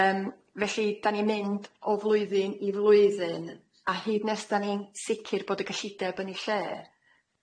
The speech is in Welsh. Yym felly dan ni'n mynd o flwyddyn i flwyddyn a hyd nes dan ni'n sicir bod y gyllideb yn'i lle.